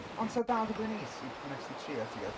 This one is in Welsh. Ond 'sa dal 'di bod yn neis i pwy bynnag sy 'di trio ti'n gwbod?